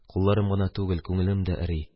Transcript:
Кулларым гына түгел, күңелем дә эри.